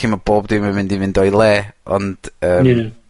lle ma' bob dim yn mynd i fynd o'i le, ond yym... Ie.